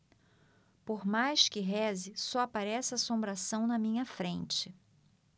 por mais que reze só aparece assombração na minha frente